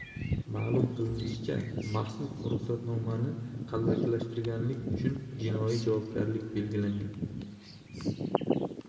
ma'lum qilinishicha maxsus ruxsatnomani qalbakilashtirganlik uchun jinoiy javobgarlik belgilangan